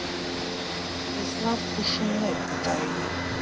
Ես լավ հուշումներ կտայի։